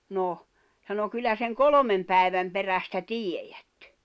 no sanoi kyllä sen kolmen päivän perästä tiedät